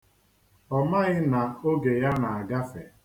Ọ maghị na oge ya na-agafe.